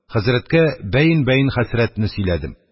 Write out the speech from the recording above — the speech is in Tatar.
Хәзрәткә бәйин-бәйин хәсрәтне сөйләдем.